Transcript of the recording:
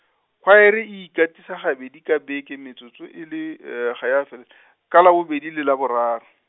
khwaere e e katisa gabedi ka beke metsotso e le ga ya fele , ka Labobedi le Laboraro.